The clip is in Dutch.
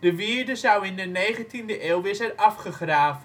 De wierde zou in de negentiende eeuw weer zijn afgegraven. Op het